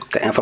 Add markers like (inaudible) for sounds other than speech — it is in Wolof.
(hesitation) (hesitation)